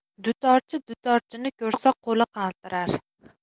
dutorchi dutorchini ko'rsa qo'li qaltirar